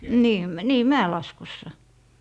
niin niin mäenlaskussa